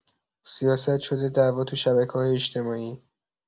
سیاست شده دعوا تو شبکه‌های اجتماعی.